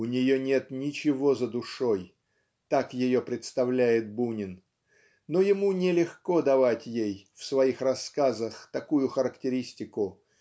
У нее нет ничего за душой - так ее представляет Бунин но ему нелегко давать ей в своих рассказах такую характеристику